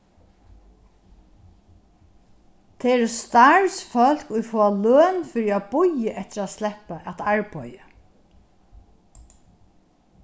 tað eru starvsfólk ið fáa løn fyri at bíða eftir at sleppa at arbeiða